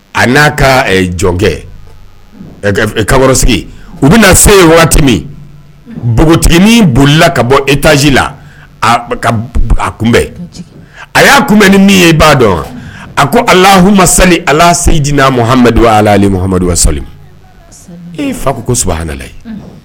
A na ka jɔnkɛ ka sigi u bɛna na se min npogotigi min bolila ka bɔ etaz la a kunbɛn a y'a kunbɛn ni min ye b baa dɔn a ko alahahma sali ala seji'a mahamadudu alahamadu sali e fa ko kohala